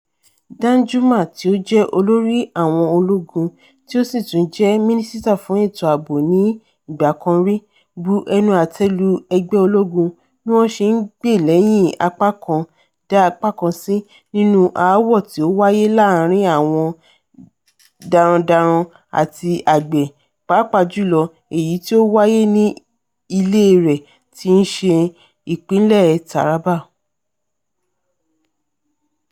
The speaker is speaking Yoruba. Danjuma, tí ó jẹ olórí àwọn ológun, tí o si tún jẹ́ mínísítà fún ètò abo ní ìgbà kan rí, bu ẹnu àtẹ́ lu ẹgbẹ́ ológun bí wọ́n ṣe ń gbé lẹ́yìn apá kan dá apá kan sí nínú aáwọ̀ tí ó wáyé láàárín àwọn darandaran àti àgbẹ̀, pàápàá jù lọ èyí tí ó wáyé ní ilée rẹ̀ tí í ṣe ìpínlẹ̀ Taraba.